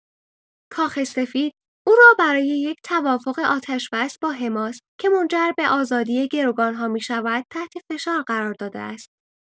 کاخ‌سفید او را برای یک توافق آتش‌بس با حماس که منجر به آزادی گروگان‌ها می‌شود تحت فشار قرار داده است.